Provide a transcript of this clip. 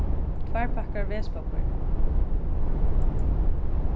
tveir pakkar vesipappír